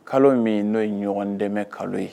Kalo min n'o ye ɲɔgɔn dɛmɛ kalo ye